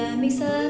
mình xa